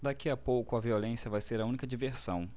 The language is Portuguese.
daqui a pouco a violência vai ser a única diversão